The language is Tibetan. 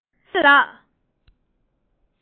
བཤེས གཉེན ལགས